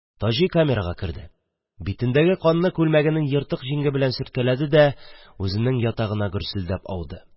Таҗи камерага керде, битендәге канны күлмәгенең ертык җиңе белән сөрткәләде дә, үзенең ятагына гөрселдәп ауды